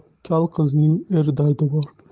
kal qizning er dardi bor